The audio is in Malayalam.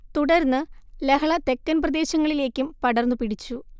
തുടർന്ന് ലഹള തെക്കൻ പ്രദേശങ്ങളിലേക്കും പടർന്നു പിടിച്ചു